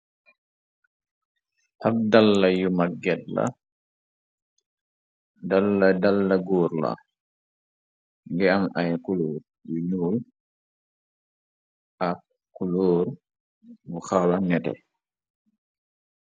Ab dala yu magget la, dala dala góor la, ngi am ay kulóor yu ñuul ak kulóor bu xala nete.